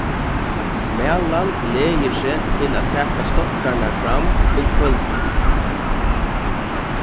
malan gleðir seg til at taka stokkarnar fram um kvøldið